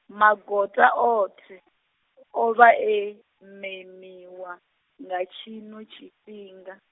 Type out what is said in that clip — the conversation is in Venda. magota oṱhe, o vha e, memiwa, nga tshino tshifhinga.